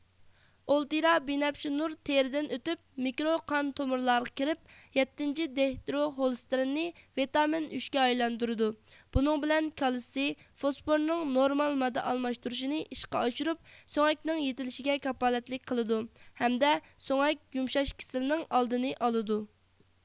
ئۇلتىرا بىنەپشە نۇر تېرىدىن ئۆتۈپ مىكرو قان تومۇرلارغا كىرىپ يەتتىنچى دىھېدرو خولېستېرىننى ۋىتامىن ئۈچ كە ئايلاندۇرىدۇ بۇنىڭ بىلەن كالتسىي فوسفورنىڭ نورمال ماددا ئالماشتۇرۇشىنى ئىشقا ئاشۇرۇپ سۆڭەكنىڭ يېتىلىشىگە كاپالەتلىك قىلىدۇ ھەمدە سۆڭەك يۇمشاش كېسىلىنىڭ ئالدىنى ئالىدۇ